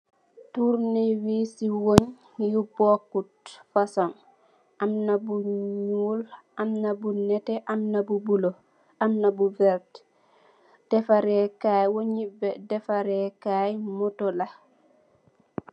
Turne wess yu bokut fosong amna bu nuul amna bu neteh amna bu bulo amna bu vertah defare kai wengi defar reh kai moto la.